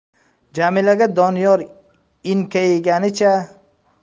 jamilaga doniyor enkayganicha